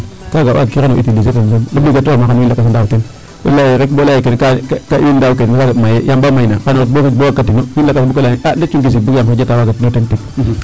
Kaaga waagkirano utiliser ten soom wiin lakas a ndaaw teen i lay ee rek bo lay e kene kaa i ndaawkan kaa soɓ mayee yam baa mayna xan o ret boo waagkatino wiin lakas a mbug ko laya yee a ndetooyo ngisik xijata waagatiro teen tig.